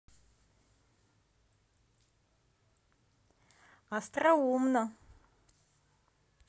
остроумно